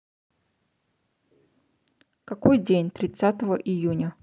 какой день тридцатого июня